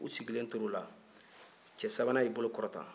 u sigilen tora o la cɛ sabanan y'i bolo kɔrɔta